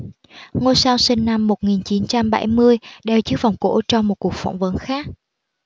ngôi sao sinh năm một nghìn chín trăm bảy mươi đeo chiếc vòng cổ trong một cuộc phỏng vấn khác